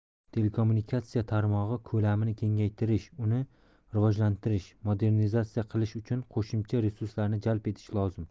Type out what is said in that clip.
telekommunikatsiya tarmog'i ko'lamini kengaytirish uni rivojlantirish va modernizatsiya qilish uchun qo'shimcha resurslarni jalb etish lozim